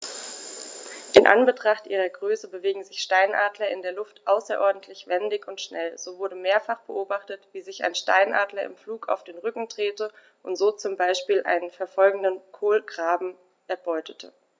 In Anbetracht ihrer Größe bewegen sich Steinadler in der Luft außerordentlich wendig und schnell, so wurde mehrfach beobachtet, wie sich ein Steinadler im Flug auf den Rücken drehte und so zum Beispiel einen verfolgenden Kolkraben erbeutete.